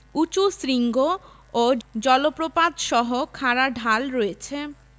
উঁচু শৃঙ্গ ও জলপ্রপাতসহ খাড়া ঢাল রয়েছে